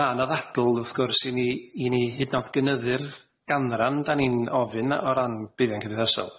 Ma' 'na ddadyl wrth gwrs i ni i ni hyd yn o'd gynyddu'r ganran 'dan ni'n ofyn o ran buddion cymdeithasol.